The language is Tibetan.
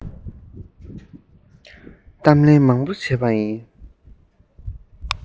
གཏམ གླེང མང པོ བྱས པ ཡིན